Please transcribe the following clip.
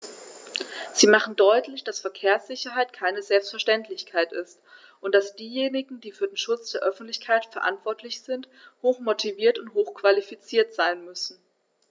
Sie machen deutlich, dass Verkehrssicherheit keine Selbstverständlichkeit ist und dass diejenigen, die für den Schutz der Öffentlichkeit verantwortlich sind, hochmotiviert und hochqualifiziert sein müssen.